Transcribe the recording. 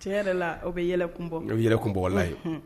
Cɛ yɛrɛ la aw bɛ yɛlɛkun yɛlɛ kunbɔlayi